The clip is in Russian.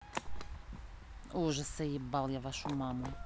ужасы ебал я вашу маму